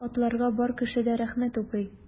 Аларга бар кеше дә рәхмәт укый.